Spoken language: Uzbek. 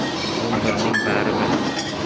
tuxumi birning bari bir